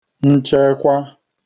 nchekwā